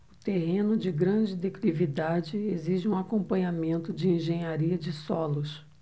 o terreno de grande declividade exige um acompanhamento de engenharia de solos